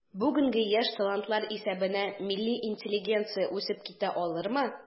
Бүгенге яшь талантлар исәбенә милли интеллигенция үсеп китә алырмы?